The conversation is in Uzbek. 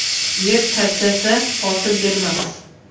yer charchasa hosil bermas